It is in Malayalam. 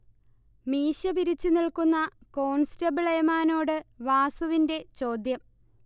മീശ പിരിച്ചു നിൽക്കുന്ന കോൺസ്റ്റബിൾ ഏമാനോട് വാസുവിന്റെ ചോദ്യം